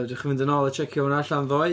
Fedrwch chi fynd yn ôl a checio hwnna allan ddoe.